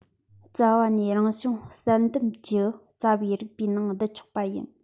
རྩ བ ནས རང བྱུང བསལ འདེམས ཀྱི རྩ བའི རིགས པའི ནང བསྡུ ཆོག པ ཡིན